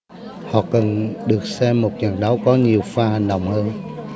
họ cần được xem một trận đấu có nhiều pha hành động hơn